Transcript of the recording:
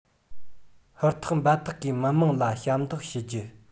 ཧུར ཐག འབད ཐག གིས མི དམངས ལ ཞབས འདེགས ཞུ རྒྱུ